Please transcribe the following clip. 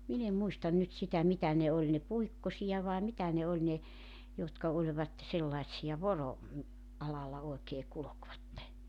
minä en muista nyt sitä mitä ne oli ne Puikkosia vai mitä ne oli ne jotka olivat sellaisia - voroalalla oikein kulkivat